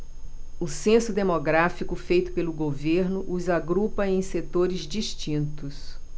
o censo demográfico feito pelo governo os agrupa em setores distintos